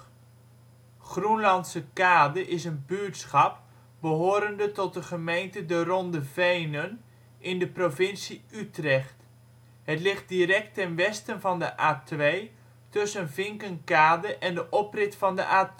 Groenlandsekade is een buurtschap behorende tot de gemeente De Ronde Venen, in de provincie Utrecht. Het ligt direct ten westen van de A2 tussen Vinkenkade en de oprit van de A2